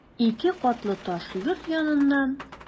Ике катлы таш йорт яныннан...